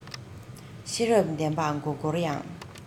ཤེས རབ ལྡན པ མགོ བསྐོར ཡང